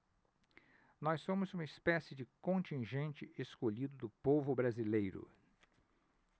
nós somos uma espécie de contingente escolhido do povo brasileiro